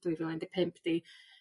dwy fil un deg pump 'di